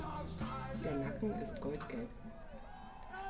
Der Nacken ist goldgelb.